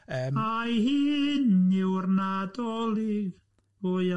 A'i hyn yw'r Nadolig o iawn.